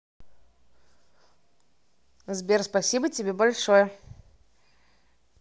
сбер спасибо тебе большое